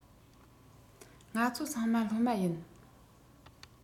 ང ཚོ ཚང མ སློབ མ ཡིན